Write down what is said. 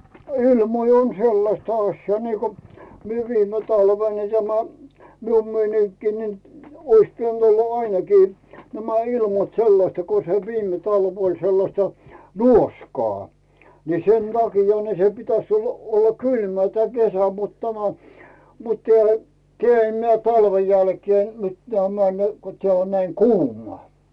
ilmoja on sellaista asiaa niin kuin minä viime talvena niin tämä minun meininkini niin olisi pitänyt olla ainakin nämä ilmat sellaista kun se viime talvi oli sellaista nuoskaa niin sen takia niin se pitäisi olla olla kylmää tämä kesä mutta tämä mutta täällä -- talven jälkeen - tämä ne kun tämä on näin kuumaa